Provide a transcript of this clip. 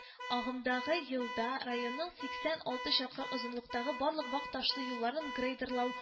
Агымдагы елда районның сиксэн алты чакрым озынлыктагы барлык вак ташлы юлларын грейдерлау